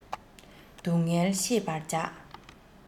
སྡུག བསྔལ ཤེས པར བྱ